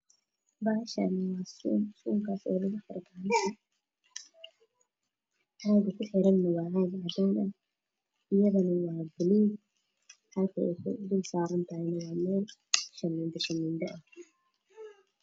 Meeshaani laamiga cadaan buluug guduud ah